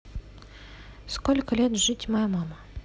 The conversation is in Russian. сколько лет жить моя мама